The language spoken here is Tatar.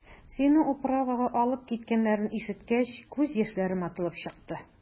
Сине «управа»га алып киткәннәрен ишеткәч, күз яшьләрем атылып чыкты.